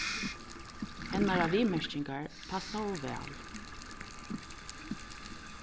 hennara viðmerkingar passaðu væl